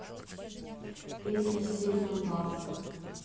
песни с сильным басом